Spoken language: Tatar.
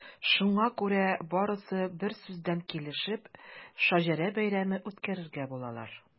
Шуңа күрә барысы берсүздән килешеп “Шәҗәрә бәйрәме” үткәрергә булалар.